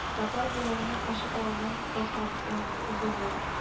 Татар булуымны ачыклаудан башлады сүзен